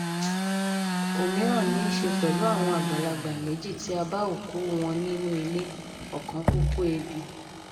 Òmíràn ní í ṣe pẹ̀lú àwọn àgbàlagbà méjì tí a bá òkúu wọn nínú ilé, ọ̀kan kú ikú ebi.